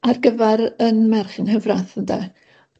ar gyfar 'yn merch yng Nghyfrath ynde